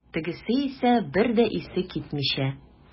Тегесе исә, бер дә исе китмичә.